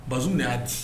Ba de y'a di